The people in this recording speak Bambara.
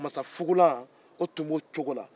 masafugulan tun b'o cogo la